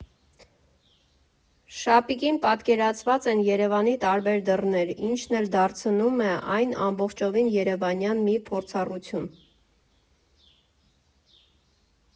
Շապիկին պատկերված են Երևանի տարբեր դռներ, ինչն էլ դարձնում է այն ամբողջովին երևանյան մի փորձառություն։